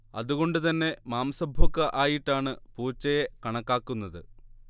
അതുകൊണ്ട് തന്നെ മാംസഭുക്കായിട്ടാണ് പൂച്ചയെ കണക്കാക്കുന്നത്